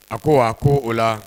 A ko wa ko o la